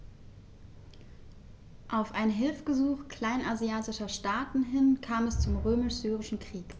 Auf ein Hilfegesuch kleinasiatischer Staaten hin kam es zum Römisch-Syrischen Krieg.